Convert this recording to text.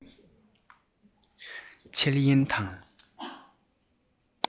འཆལ ཡན དང